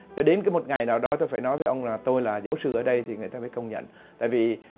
đến cái một ngày nào đó tôi phải nói với ông là tôi là giáo sư ở đây thì người ta mới công nhận tại vì